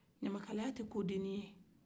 ɲamakalaye tɛ ko dennin ye